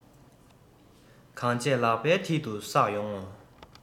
གང བྱས ལག པའི མཐིལ དུ གསལ ཡོང ངོ